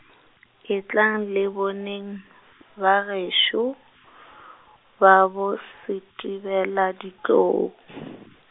etlang le boneng , bagešo , ba boSethibeladitlou .